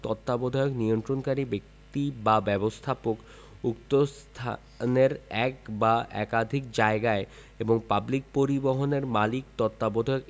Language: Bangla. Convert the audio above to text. তত্ত্বাবধায়ক নিয়ন্ত্রণকারী ব্যক্তিবা ব্যবস্থাপক উক্ত স্থানের এক বা একাধিক জায়গায় এবং পাবলিক পরিবহণের মালিক তত্ত্বাবধায়ক